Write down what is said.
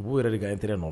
O b'u yɛrɛ de ka intérêt nɔ